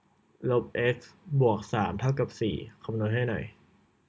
ลบเอ็กซ์บวกสามเท่ากับสี่คำนวณให้หน่อย